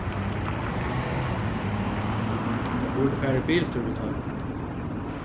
tú burdi farið biltúr við teimum